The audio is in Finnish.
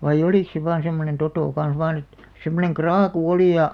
vain oliko se vain semmoinen toto kanssa vain että semmoinen kraakku oli ja